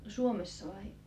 Suomessa vai